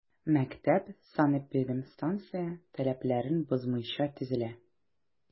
Мәктәп санэпидстанция таләпләрен бозмыйча төзелә.